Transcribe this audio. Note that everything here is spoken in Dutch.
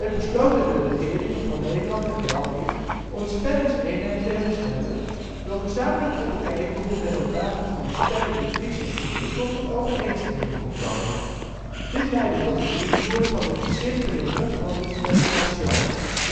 besloten de regeringen van Nederland en België om de spellingeenheid te herstellen door gezamenlijk te bekijken hoe men op basis van de spelling-De Vries en Te Winkel tot overeenstemming kon komen. Dit leidde tot het invoeren van de versimpelingen van de spelling-Marchant